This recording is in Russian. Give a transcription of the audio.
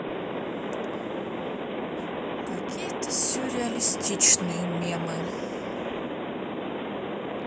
какие то сюрреалистичные мемы